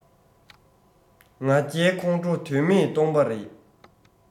ང རྒྱལ ཁོང ཁྲོ དོན མེད སྟོང པ རེད